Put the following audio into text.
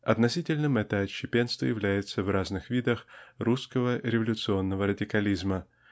Относительным это отщепенство является в разных видах русского революционного радикализма